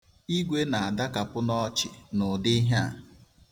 Igwe na-adakapụ n'ọchi n'ụdi ihe a.